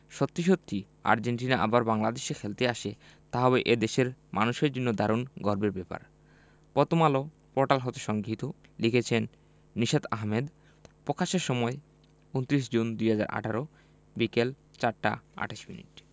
সত্যি সত্যিই আর্জেন্টিনা আবার বাংলাদেশে খেলতে আসে তা হবে এ দেশের মানুষের জন্য দারুণ গর্বের ব্যাপার প্রথমআলো পোর্টাল হতে সংগৃহীত লিখেছেন নিশাত আহমেদ প্রকাশের সময় ২৯ জুন ২০১৮ বিকেল ৪টা ২৮ মিনিট